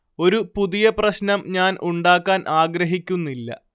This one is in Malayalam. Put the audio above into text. ഒരു പുതിയ പ്രശ്നം ഞാൻ ഉണ്ടാക്കാൻ ആഗ്രഹിക്കുന്നില്ല